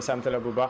waaw jërëjëf